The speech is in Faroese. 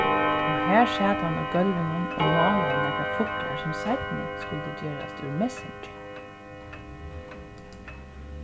og har sat hann á gólvinum og málaði nakrar fuglar sum seinni skuldu gerast úr messingi